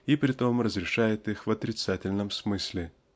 и притом разрешает их в отрицательном смысле